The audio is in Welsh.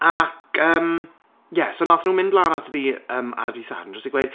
Ac yym ie so wnaeth nhw mynd lan ato ni yym ar y dydd Sadwrn jyst i gweud...